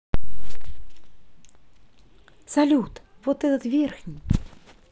салют вот этот верхний